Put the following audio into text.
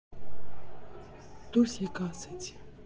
Դուրս եկա, ասեցի.